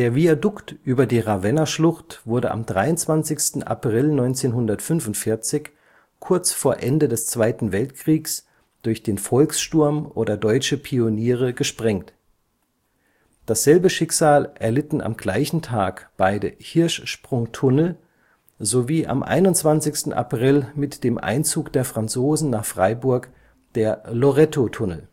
Viadukt über die Ravennaschlucht wurde am 23. April 1945, kurz vor Ende des Zweiten Weltkriegs, durch den Volkssturm oder deutsche Pioniere gesprengt. Dasselbe Schicksal erlitten am gleichen Tag beide Hirschsprungtunnel sowie am 21. April mit dem Einzug der Franzosen nach Freiburg der Lorettotunnel